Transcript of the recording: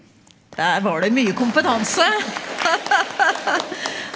der var det mye kompetanse .